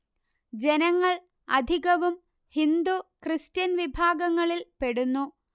ജനങ്ങൾ അധികവും ഹിന്ദു ക്രിസ്ത്യൻ വിഭാഗങ്ങളിൽ പെടുന്നു